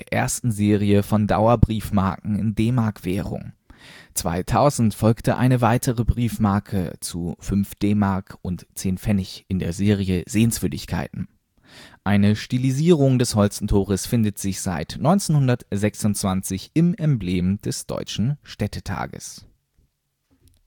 ersten Serie von Dauerbriefmarken in D-Mark-Währung. 2000 folgte eine weitere Briefmarke zu 5,10 DM in der Serie " Sehenswürdigkeiten ". Eine Stilisierung des Holstentores findet sich seit 1926 im Emblem des Deutschen Städtetages (DST